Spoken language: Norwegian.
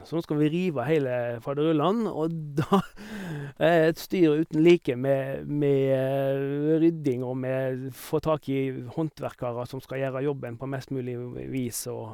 Så nå skal vi rive heile faderullan, og det er et styr uten like med med rydding og med få tak i håndverkere som skal gjøre jobben på mest mulig vis og...